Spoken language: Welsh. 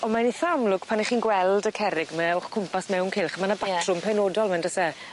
On' mae'n itha amlwg pan 'ych chi'n gweld y cerrig 'me o'ch cwmpas mewn cylch ma' 'ny batrwm... Ie. ...penodol 'my on'd o'se?